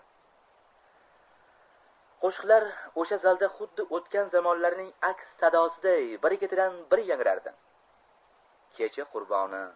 qo'shiqlar o'sha zalda xuddi o'tgan zamonlarning aks sadosiday biri ketidan biri yangrardi